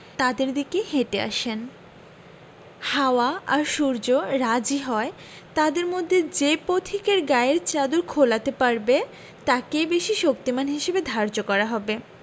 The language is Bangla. তাদের দিকে হেটে আসেন হাওয়া আর সূর্য রাজি হয় তাদের মধ্যে যে পথিকের গায়ের চাদর খোলাতে পারবে তাকেই বেশি শক্তিমান হিসেবে ধার্য করা হবে